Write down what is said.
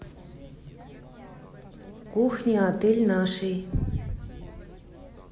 кухня отель нашей